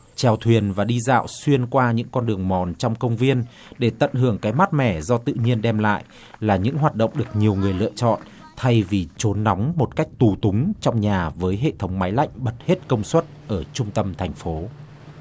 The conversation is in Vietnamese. chèo thuyền và đi dạo xuyên qua những con đường mòn trong công viên để tận hưởng cái mát mẻ do tự nhiên đem lại là những hoạt động được nhiều người lựa chọn thay vì trốn nóng một cách tù túng trong nhà với hệ thống máy lạnh bật hết công suất ở trung tâm thành phố